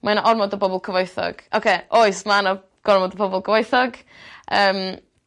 Mae 'na ormod o bobol cyfoethog oce* oes ma' 'na gormod o pobol cyfoethog. Yym.